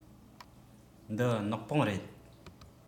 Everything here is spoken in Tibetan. འདི ནག པང རེད